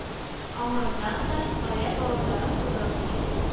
Аңардан да гарәп балалары курыкмый